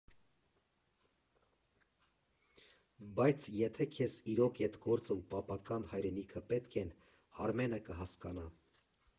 Բայց եթե քեզ իրոք էդ գործը ու պապական հայրենիքը պետք են, Արմենը կհասկանա։